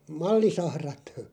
mallisahrat